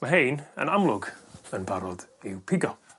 Aa' rhein yn amlwg yn barod i'w pigo.